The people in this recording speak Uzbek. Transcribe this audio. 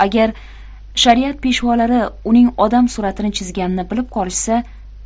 agar shariat peshvolari uning odam suratini chizganini bilib qolishsa